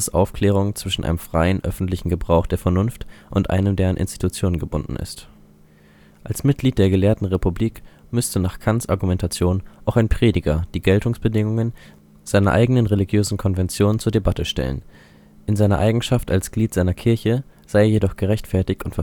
Aufklärung zwischen einem freien, öffentlichem Gebrauch der Vernunft und einem, der an Institutionen gebunden ist. Als Mitglied der Gelehrtenrepublik müsste nach Kants Argumentation auch ein Prediger die Geltungsbedingungen seiner eigenen religiösen Konventionen zur Debatte stellen, in seiner Eigenschaft als Glied seiner Kirche sei er jedoch gerechtfertigt und verpflichtet